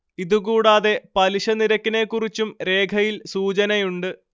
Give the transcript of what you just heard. ഇതുകൂടാതെ പലിശ നിരക്കിനെക്കുറിച്ചും രേഖയിൽ സൂചനയുണ്ട്